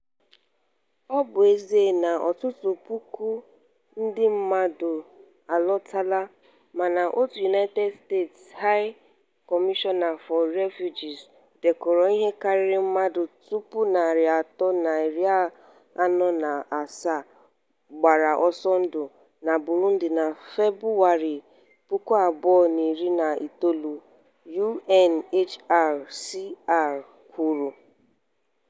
Ọ bụ ezie na ọtụtụ puku ndị mmadụ alọtala, mana òtù United Nations High Commissioner for Refugees dekọrọ ihe karịrị mmadụ 347,000 gbara ọsọ ndụ na Burundi na Febụwarị 2019, UNHCR kwuru: